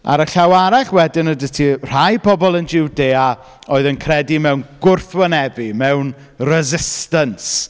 Ar y llaw arall wedyn oedd 'da ti rhai pobl yn Jwdea oedd yn credu mewn gwrthwynebu, mewn resistance.